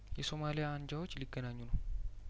የሶማሊያ አንጃዎች ሊገናኙ ነው